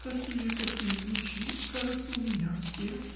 — Какие такие ключи: кажется, у меня все!